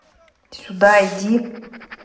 сюда иди